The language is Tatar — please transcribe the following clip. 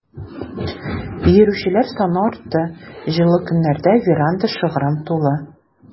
Йөрүчеләр саны артты, җылы көннәрдә веранда шыгрым тулы.